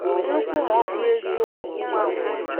“Nnukwu ma ọ bụrụ eziokwu,” ọ dere.